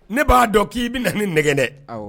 Ne b'a dɔn k'i bɛ na ni nɛgɛgɛn dɛ